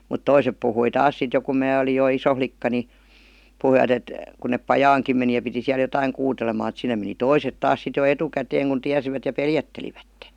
mutta toiset puhui taas sitten jo kun minä olin jo iso likka niin puhuivat että kun ne pajaankin meni ja piti siellä jotakin kuuteleman että sinne meni toiset taas sitten jo etukäteen kun tiesivät ja pelättelivät